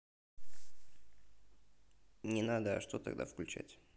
не надо а что тогда включать